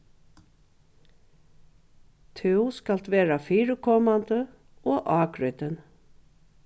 tú skalt vera fyrikomandi og ágrýtin